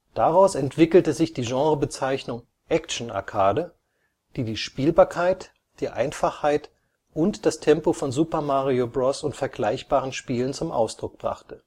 Daraus entwickelte sich die Genrebezeichnung „ Action-Arcade “, die die Spielbarkeit, die Einfachheit und das Tempo von Super Mario Bros. und vergleichbaren Spielen zum Ausdruck brachte